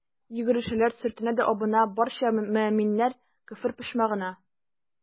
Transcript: Йөгерешәләр, сөртенә дә абына, барча мөэминнәр «Көфер почмагы»на.